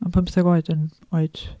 Ma' pymtheg oed yn oed...